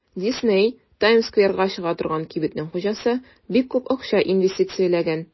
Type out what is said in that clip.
Дисней (Таймс-скверга чыга торган кибетнең хуҗасы) бик күп акча инвестицияләгән.